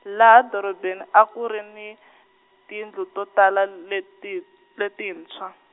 laha doropeni a ku ri ni , tindlu to tala leti letintshwa.